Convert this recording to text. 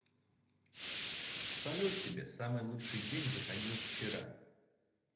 салют тебе самый лучший день заходил вчера